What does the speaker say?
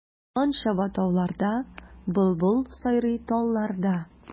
Болан чаба тауларда, былбыл сайрый талларда.